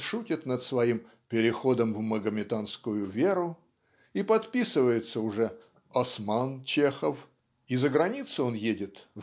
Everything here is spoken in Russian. он шутит над своим "переходом в магометанскую веру" и подписывается уже Осман Чехов и за границу он едет